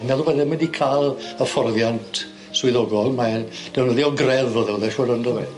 Meddwl bod 'im wedi ca'l hyfforddiant swyddogol mae e'n defnyddio grefdd o'dd o'dd e siŵr on' do fe?